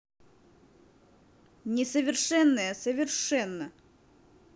несовершенная совершенно